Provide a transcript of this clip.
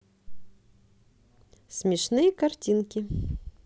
смешные картинки